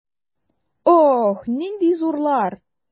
Ох, нинди зурлар!